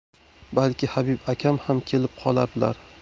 balki habib akam ham kelib qolarlar